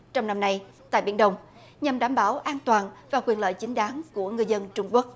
trong năm nay tại biển đông nhằm đảm bảo an toàn và quyền lợi chính đáng của người dân trung quốc